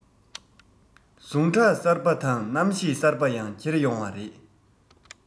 ཟུངས ཁྲག གསར པ དང རྣམ ཤེས གསར པ ཡང ཁྱེར ཡོང བ རེད